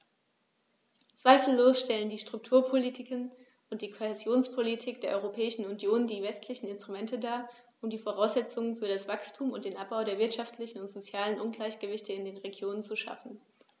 Zweifellos stellen die Strukturpolitiken und die Kohäsionspolitik der Europäischen Union die wesentlichen Instrumente dar, um die Voraussetzungen für das Wachstum und den Abbau der wirtschaftlichen und sozialen Ungleichgewichte in den Regionen zu schaffen.